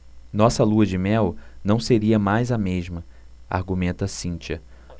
nossa lua-de-mel não seria mais a mesma argumenta cíntia